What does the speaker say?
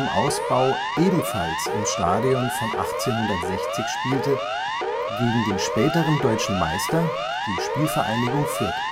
Ausbau ebenfalls im Stadion von 1860 spielte, gegen den späteren Deutschen Meister, die SpVgg Fürth